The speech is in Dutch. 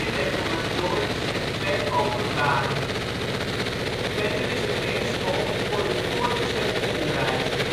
reformatorisch en twee openbaar. Verder is er één school voor het voortgezet onderwijs